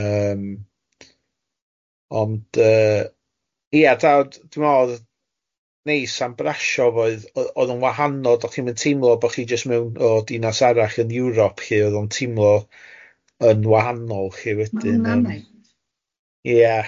Yym ond yy ia tawd dwi'n meddwl oedd neis am Brasov oedd odd odd o'n wahanol do'ch chi'm yn teimlo bo' chi jyst mewn o dinas arall yn Ewrop lly oedd o'n timlo yn wahanol lly wedyn yym. Ma' hwnna'n neis.